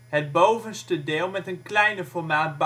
het bovenste deel met een kleiner formaat